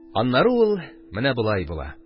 Аннары ул менә болай була